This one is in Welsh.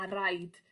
A raid...